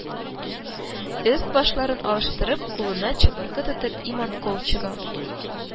Өс-башларын алыштырып, кулына чыбыркы тотып, Иманкол чыга